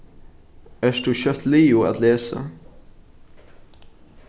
ert tú skjótt liðug at lesa